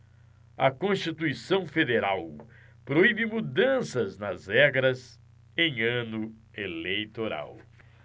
a constituição federal proíbe mudanças nas regras em ano eleitoral